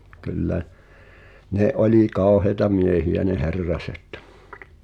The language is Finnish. kyllä ne oli kauheita miehiä ne Herraset